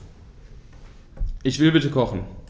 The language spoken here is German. Ich will bitte kochen.